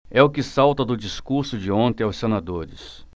é o que salta do discurso de ontem aos senadores